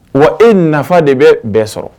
Wa e nafa de bɛ bɛn sɔrɔ